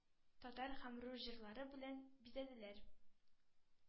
Татар һәм рус җырлары белән бизәделәр